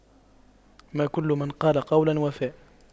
ما كل من قال قولا وفى